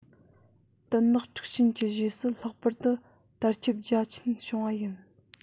དུད ནག འཁྲུག ཆེན གྱི རྗེས སུ ལྷག པར དུ དར ཁྱབ རྒྱ ཆེན བྱུང བ ཡིན